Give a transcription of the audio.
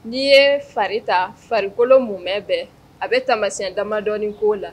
N'i ye fari ta farikolo mun mɛn bɛɛ a bɛ tamasi damadɔ' la